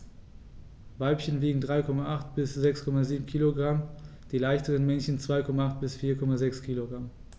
Weibchen wiegen 3,8 bis 6,7 kg, die leichteren Männchen 2,8 bis 4,6 kg.